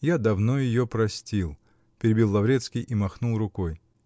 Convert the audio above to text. -- Я давно ее простил, -- перебил Лаврецкий и махнул рукой.